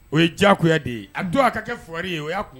O ye diyago de ye a don a ka kɛ fwa ye o y'a kun